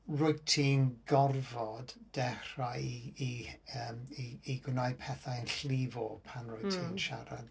Rwyt ti'n gorfod dechrau i i yym i gwneud pethau'n llifo pan rwyt ti'n siarad.